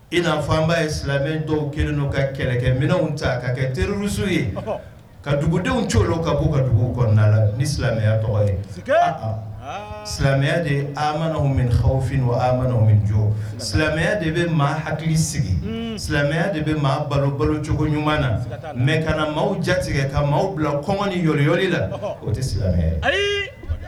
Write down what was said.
I na fɔba ye silamɛ dɔw kelen' ka kɛlɛ kɛ minɛnw ta ka kɛ teririlusu ye ka dugudenw cogo ka'o dugu kɔnɔna la ni silamɛya tɔgɔ ye silamɛya de minkaw fini' min jɔ silamɛya de bɛ maa hakili sigi silamɛya de bɛ maa balo balocogo ɲuman na mɛ kana maaw jatigɛ ka maaw bila kɔnɔni yyli la o tɛ silamɛ ayi